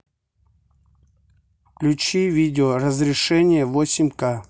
включи видео разрешение восемь к